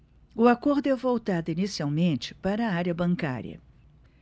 o acordo é voltado inicialmente para a área bancária